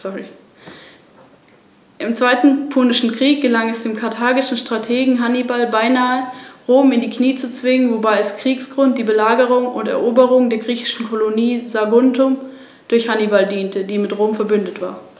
Durch das Rahmenkonzept des Biosphärenreservates wurde hier ein Konsens erzielt.